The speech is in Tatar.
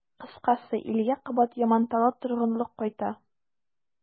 Кыскасы, илгә кабат яманатлы торгынлык кайта.